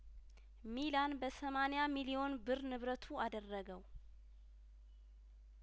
ሚላን በሰማኒያ ሚሊዮን ብርንብረቱ አደረገው